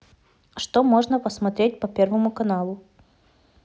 что можно посмотреть по первому каналу